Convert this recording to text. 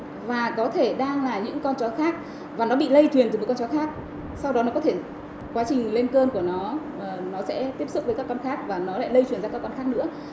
và có thể đang là những con chó khác mà nó bị lây truyền từ những con chó khác sau đó nó có thể quá trình lên cơn của nó ờ nó sẽ tiếp xúc với các con khác và nó lại lây truyền sang con khác nữa